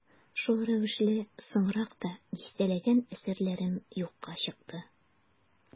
Шул рәвешле соңрак та дистәләгән әсәрләрем юкка чыкты.